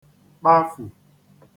kpafù